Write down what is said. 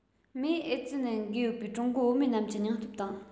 མོས ཨེ ཙི ནད འགོས ཡོད པའི ཀྲུང གོའི བུད མེད རྣམས ཀྱི སྙིང སྟོབས དང